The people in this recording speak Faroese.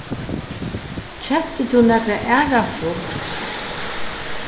keypti tú nakra aðra frukt